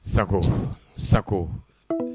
Sago, sago,